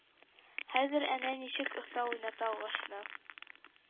Хәзер әнә ничек оста уйната агачны,